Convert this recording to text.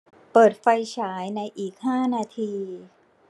เปิดไฟฉายในอีกห้านาที